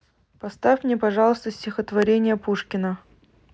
поставь мне пожалуйста стихотворение пушкина